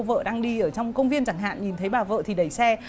vợ đang đi ở trong công viên chẳng hạn nhìn thấy bà vợ thì đẩy xe